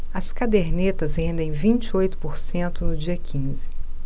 as cadernetas rendem vinte e oito por cento no dia quinze